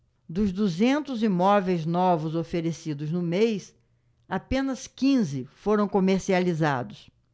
dos duzentos imóveis novos oferecidos no mês apenas quinze foram comercializados